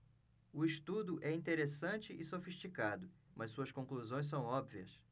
o estudo é interessante e sofisticado mas suas conclusões são óbvias